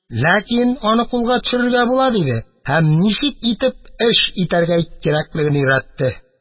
Ләкин аны кулга төшерергә була, – диде һәм ничек эш итәргә кирәклеген өйрәтте.